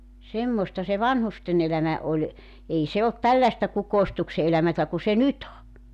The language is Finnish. semmoista se vanhusten elämä oli ei se ollut tällaista kukoistuksen elämää kuin se nyt on